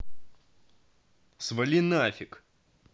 свали нафиг